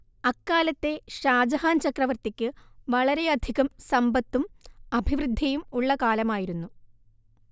അക്കാലത്തെ ഷാജഹാൻ ചക്രവർത്തിക്ക് വളരെയധികം സമ്പത്തും അഭിവൃദ്ധിയും ഉള്ള കാലമായിരുന്നു